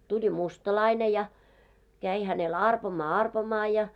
tuli mustalainen ja kävi hänelle arpomaan arpomaan ja